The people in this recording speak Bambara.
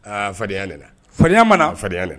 Aa fadenya nana fadenya ma na fadenya nana